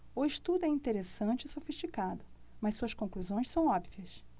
o estudo é interessante e sofisticado mas suas conclusões são óbvias